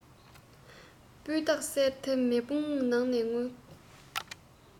སྤུས དག གསེར དེ མེ དཔུང ནང ནས ཐོན